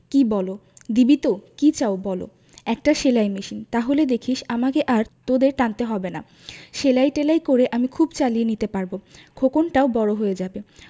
কি বলো দিবি তো কি চাও বলো একটা সেলাই মেশিন তাহলে দেখিস আমাকে আর তোদের টানতে হবে না সেলাই টেলাই করে আমি খুব চালিয়ে নিতে পারব খোকনটাও বড় হয়ে যাবে